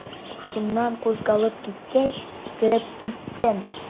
Шуннан кузгалып киткәч, кереп киттем.